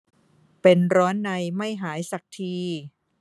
เป็นร้อนในไม่หายสักที